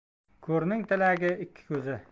ko'rning tilagi ikki ko'zi